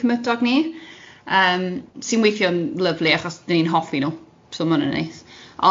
cymydog ni yym sy'n weithio'n lyfli achos 'dan ni'n hoffi nhw, so ma' hwnna' neis.